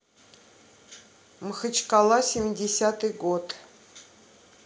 махачкала семидесятый год